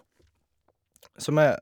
Som er...